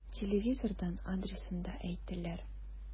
Телевизордан адресын да әйттеләр.